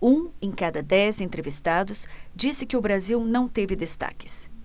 um em cada dez entrevistados disse que o brasil não teve destaques